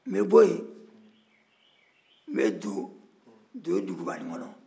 n bɛ bɔ yen n bɛ don dodugubani kɔnɔ